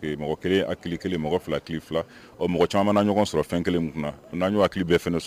Mɔgɔ caman ɲɔgɔn sɔrɔ fɛn kelen na n'a ɲɔgɔno hakili bɛ sɔrɔ